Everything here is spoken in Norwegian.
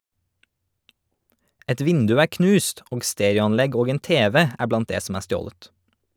Et vindu er knust, og stereoanlegg og en tv er blant det som er stjålet.